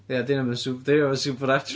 Ia 'di hynna'm yn swp- dydi hynna'm yn supernatural.